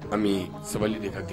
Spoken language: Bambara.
An bɛ sabali de ka kɛ